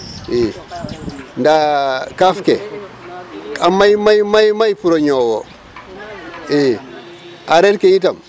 II ndaa kaaf ke a may may pour o ñoowo i aareer ke itam .